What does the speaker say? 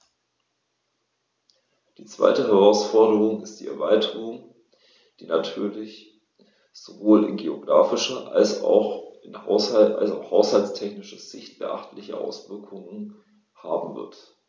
Die zweite Herausforderung ist die Erweiterung, die natürlich sowohl in geographischer als auch haushaltstechnischer Sicht beachtliche Auswirkungen haben wird.